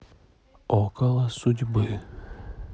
около судьбы